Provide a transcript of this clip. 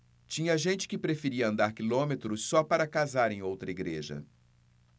tinha gente que preferia andar quilômetros só para casar em outra igreja